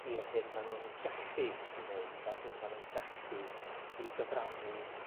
i'r hyn ma' nhw'n gallu 'i wneud ar hyn ma' nhw'n gallu 'i gyfrannu